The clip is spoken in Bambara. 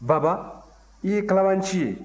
baba i ye kalabaanci ye